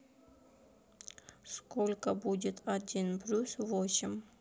сколько будет один плюс восемь